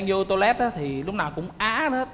vô toilet thì lúc nào á